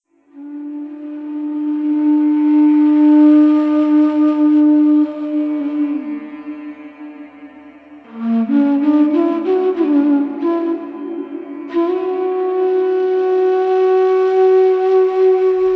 MUSIC